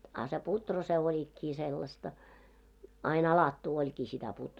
a se puuro se olikin sellaista aina alattua olikin sitä -